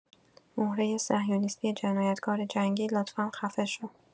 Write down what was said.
مهره صهیونیستی جنایتکار جنگی لطفا خفه شو